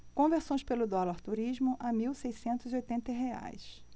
conversões pelo dólar turismo a mil seiscentos e oitenta reais